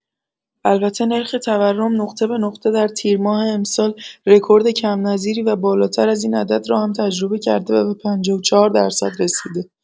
البته نرخ تورم نقطه‌به‌نقطه در تیر ماه امسال رکورد کم نظیری و بالاتر از این عدد را هم تجربه کرده و به ۵۴ درصد رسیده